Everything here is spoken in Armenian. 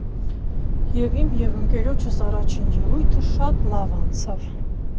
Եվ իմ, և ընկերոջս առաջին ելույթը շատ լավ անցավ։